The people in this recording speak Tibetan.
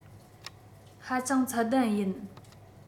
ཧ ཅང ཚད ལྡན ཡིན